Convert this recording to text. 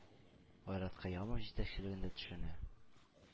Айрат Кыямов җитәкчелегендә төшенә.